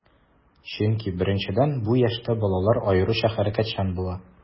Чөнки, беренчедән, бу яшьтә балалар аеруча хәрәкәтчән була.